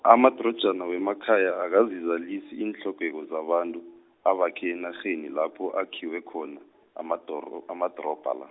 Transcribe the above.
amadrojana wemakhaya akazizalisi iintlhogeko zabantu, abakhe enarheni lapho akhiwe khona, amadoro- amadrobha la.